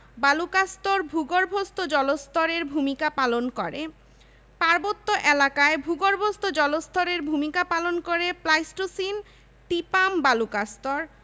চীনামাটি ইটের মাটি এবং ধাতব খনিজ পানি সম্পদঃ প্রাকৃতিকভাবেই বাংলাদেশের রয়েছে প্রচুর পরিমাণে